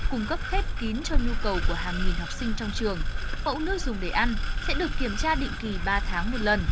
cung cấp khép kín cho nhu cầu của hàng nghìn học sinh trong trường mẫu nước dùng để ăn sẽ được kiểm tra định kỳ ba tháng một lần